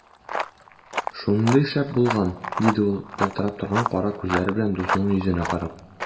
Шундый шәп булган! - диде ул ялтырап торган кара күзләре белән дусының йөзенә карап.